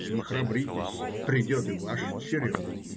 Не храбритесь, придет и ваш черед.